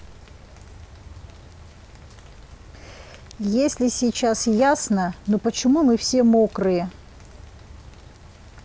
если сейчас ясно но почему мы все мокрые